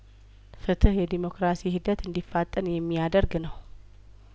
ፍትህ የዴሞክራሲ ሂደት እንዲ ፋጠን የሚያደርግ ነው